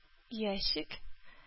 Ящик